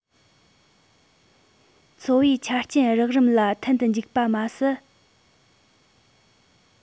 འཚོ བའི ཆ རྐྱེན རགས རིམ ལ མཐུན དུ འཇུག པ མ ཟད